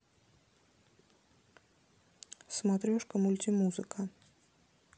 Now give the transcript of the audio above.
сматрешка мультимузыка